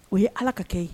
O ye Ala ka kɛ ye